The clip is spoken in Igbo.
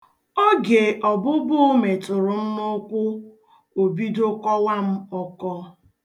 Oge ọbụbụụ metụrụ m n'ụkwụ, o bido kọwa m ọkọ.